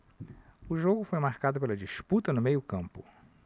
o jogo foi marcado pela disputa no meio campo